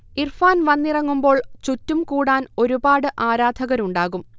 ഇർഫാൻ വന്നിറങ്ങുമ്പോൾ ചുറ്റും കൂടാൻ ഒരുപാട് ആരാധകരുണ്ടാകും